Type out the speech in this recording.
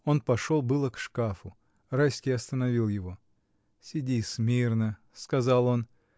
Он пошел было к шкафу, Райский остановил его. — Сиди смирно, — сказал он.